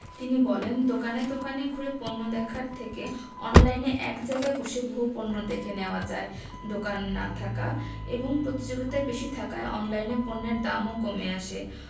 তিনি বলেন দোকানে দোকানে ঘুরে পণ্য দেখার থেকে অনলাইনে এক জায়গায় বসে বহু পণ্য দেখে নেওয়া যায় দোকান না থাকা এবং প্রতিযোগিতা বেশি থাকায় অনলাইনে পণ্যের দামও কমে আসে